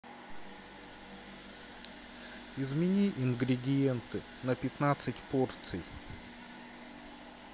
измени ингредиенты на пятнадцать порций